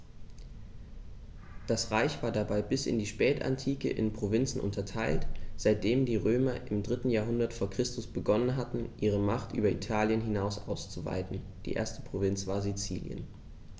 Das Reich war dabei bis in die Spätantike in Provinzen unterteilt, seitdem die Römer im 3. Jahrhundert vor Christus begonnen hatten, ihre Macht über Italien hinaus auszuweiten (die erste Provinz war Sizilien).